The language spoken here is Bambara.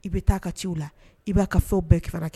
I bɛ taa ka ci la i b'a ka fɛnw bɛɛ kira kɛ